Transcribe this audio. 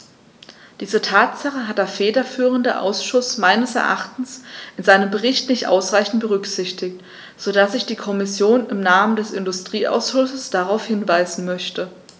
Diese Tatsache hat der federführende Ausschuss meines Erachtens in seinem Bericht nicht ausreichend berücksichtigt, so dass ich die Kommission im Namen des Industrieausschusses darauf hinweisen möchte.